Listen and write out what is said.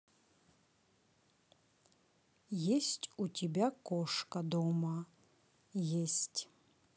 есть у тебя кошка дома есть